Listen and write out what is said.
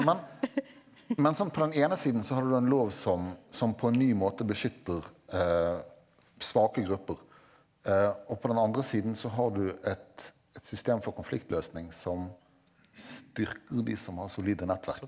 men men sant på den ene siden så har du da en lov som som på en ny måte beskytter svake grupper og på den andre siden så har du et et system for konfliktløsning som styrker de som har solide nettverk.